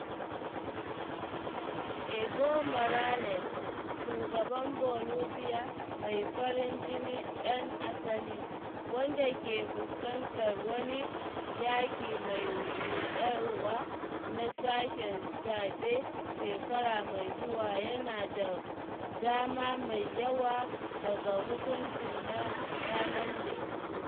Evo Morales, shugaban Bolivia mai farin jini ɗan asali - wanda ke fuskantar wani yaƙi mai ruɗarwa na sake zaɓe shekara mai zuwa yana da dama mai yawa daga hukuncin na ranar Litinin.